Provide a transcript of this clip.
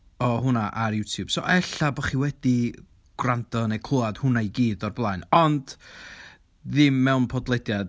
o hwnna ar Youtube, so ella bo' chi wedi gwrando neu clywed hwnna i gyd o'r blaen, ond ddim mewn podlediad.